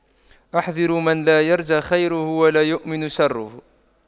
احذروا من لا يرجى خيره ولا يؤمن شره